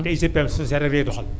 te si wàllu social rek la ñuy doxal